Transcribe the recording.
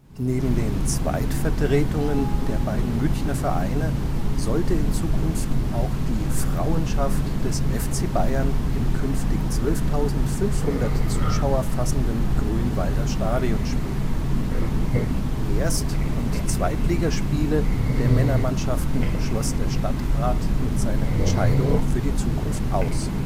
Neben den Zweitvertretungen der beiden Münchner Vereine sollte in Zukunft auch die Frauenschaft des FC Bayern im künftig 12.500 Zuschauer fassenden Grünwalder Stadion spielen. Erst - und Zweitligaspiele der Männermannschaften schloss der Stadtrat mit seiner Entscheidung für die Zukunft aus